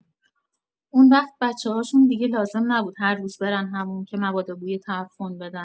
اونوقت بچه‌هاشون دیگه لازم نبود هر روز برن حموم که مبادا بوی تعفن بدن!